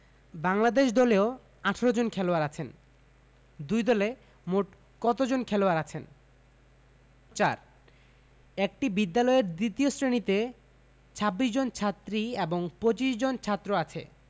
বাংলাদেশ দলেও ১৮ জন খেলোয়াড় আছেন দুই দলে মোট কতজন খেলোয়াড় আছেন ৪ একটি বিদ্যালয়ের দ্বিতীয় শ্রেণিতে ২৬ জন ছাত্রী ও ২৫ জন ছাত্র আছে